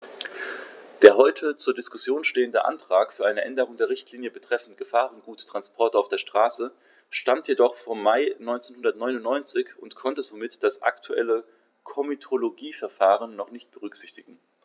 Der heute zur Diskussion stehende Vorschlag für eine Änderung der Richtlinie betreffend Gefahrguttransporte auf der Straße stammt jedoch vom Mai 1999 und konnte somit das aktuelle Komitologieverfahren noch nicht berücksichtigen.